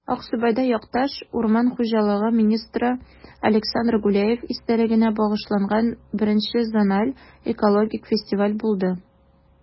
Аксубайда якташ, урман хуҗалыгы министры Александр Гуляев истәлегенә багышланган I зональ экологик фестиваль булды